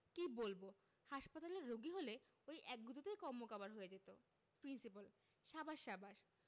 কি বলব হাসপাতালের রোগী হলে ঐ এক গুঁতোতেই কন্মকাবার হয়ে যেত প্রিন্সিপাল সাবাস সাবাস